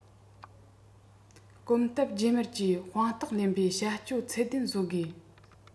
གོམ སྟབས རྗེས མར ཀྱིས དཔང རྟགས ལེན པའི བྱ སྤྱོད ཚད ལྡན བཟོ དགོས